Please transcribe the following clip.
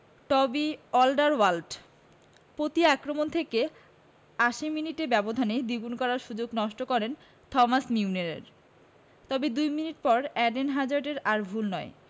টবি অলডারওয়ার্ল্ড প্রতি আক্রমণ থেকে ৮০ মিনিটে ব্যবধান দ্বিগুণ করার সুযোগ নষ্ট করেন থমাস মিউনিয়ের তবে দুই মিনিট পর এডেন হ্যাজার্ডের আর ভুল নয়